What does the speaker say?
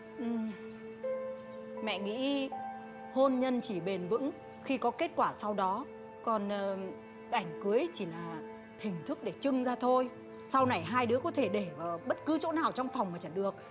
ừ mẹ nghĩ hôn nhân chỉ bền vững khi có kết quả sau đó còn ờ ảnh cưới chỉ là hình thức để trưng ra thôi sau này hai đứa có thể để bất cứ chỗ nào trong phòng mà chả được